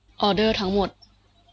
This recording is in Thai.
ออเดอร์ทั้งหมด